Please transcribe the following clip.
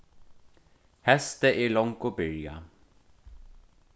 heystið er longu byrjað